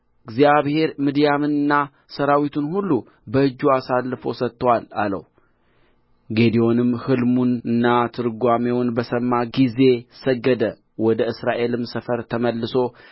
ጌዴዎንም ሕልሙንና ትርጓሜውን በሰማ ጊዜ ሰገደ ወደ እስራኤልም ሰፈር ተመልሶ እግዚአብሔር የምድያምን ሠራዊት በእጃችሁ አሳልፎ ሰጥቶአልና ተነሡ አለ